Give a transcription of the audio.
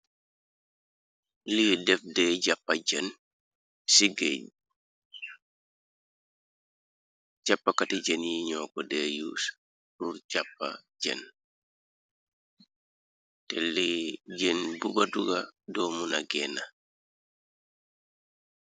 Lii def de jàppa jën si gé, jàppakati jën yi ñoo ko deeyu rur jàppa jen, te li jën bu batuga, doomuna geena.